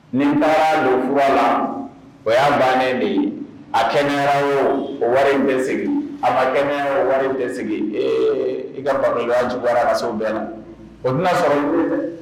Nin taara don kura la o y'a bannen de ye a kɛnɛyayara o o wari in bɛ segin a ma kɛnɛya o wari in bɛ sigi ee i ka ban ju kaso bɛɛ yan o t' sɔrɔ dɛ